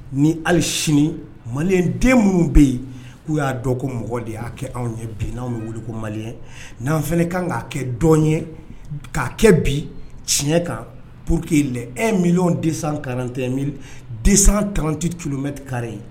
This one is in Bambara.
Ni hali sini mali den minnu bɛ yen k'u y'a dɔn ko mɔgɔ de y'a kɛ anw ye bi n'anw wuli ko mali n'an fana kan k'a kɛ dɔn ye k'a kɛ bi tiɲɛ kan po que la e mili de karante mi de tanran tɛ kulomɛtikara ye